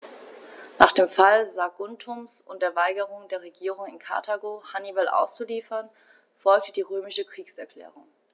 Nach dem Fall Saguntums und der Weigerung der Regierung in Karthago, Hannibal auszuliefern, folgte die römische Kriegserklärung.